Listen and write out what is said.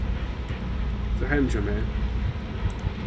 hetta er heimið hjá mær